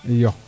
iyo